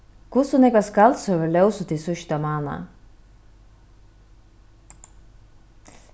hvussu nógvar skaldsøgur lósu tit síðsta mánað